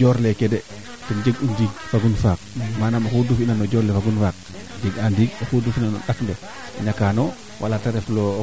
leyoonga naxa basa xe xatoor xa basa xe moom mayu mbaa seede in kam saate in jaraaf fein jeg u den a yip un no qole ten meen ndaa ga'a meete yip uuna